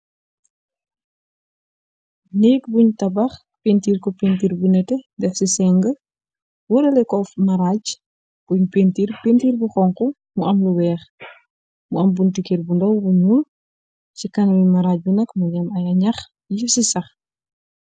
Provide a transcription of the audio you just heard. Neek bunj tabah pentir ko pentir bu nete def si senğ worehlokok maraj bunj pentir pentir bu xonxu mu am lu wexx mu am bunti kerr bu ndaw bu nyul si kaw maraj bi nak mungi am nyaxx yusi saxx